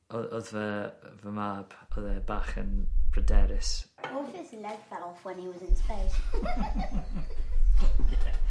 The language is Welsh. o- odd fy yy fy mab odd e bach yn pryderus. *What if his leg fell off when 'e was in space?